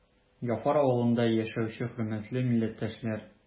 Яфар авылында яшәүче хөрмәтле милләттәшләр!